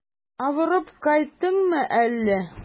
Авырып кайттыңмы әллә?